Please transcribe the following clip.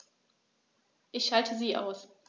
Ich schalte sie aus.